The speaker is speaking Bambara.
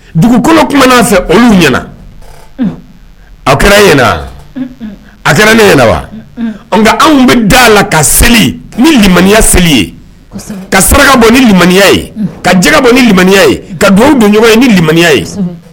Dugukolo tun fɛ olu ɲɛna a kɛra ɲɛna a kɛra ne ɲɛna wa nka anw bɛ da a la ka seli nimmaniya seli ye ka saraka bɔ nimaniya ye ka jɛgɛ bɔ nimiiniya ye ka duuru donɲɔgɔnɔgɔ ye ni lammiiniya ye